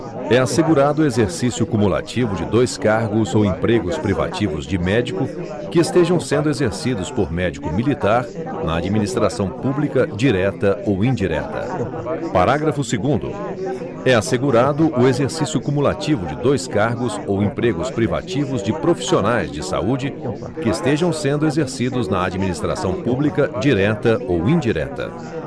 é assegurado o exercício cumulativo de dois cargos ou empregos privativos de médico que estejam sendo exercidos por médico militar na administração pública direta ou indireta parágrafo segundo é assegurado o exercício cumulativo de dois cargos ou empregos privativos de profissionais de saúde que estejam sendo exercidos na administração pública direta ou indireta